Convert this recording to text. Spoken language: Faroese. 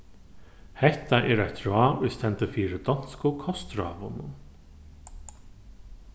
hetta er eitt ráð ið stendur fyri donsku kostráðunum